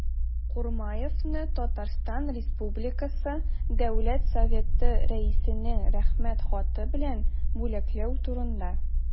И.Х. Курмаевны Татарстан республикасы дәүләт советы рәисенең рәхмәт хаты белән бүләкләү турында